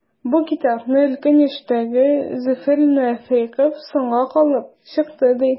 Бу китапны өлкән яшьтәге Зөфәр Нәфыйков “соңга калып” чыкты, ди.